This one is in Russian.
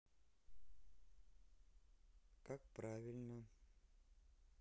как правильно